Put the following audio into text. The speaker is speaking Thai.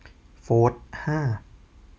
โฟธห้า